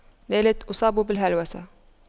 لا اصاب بالهلوسة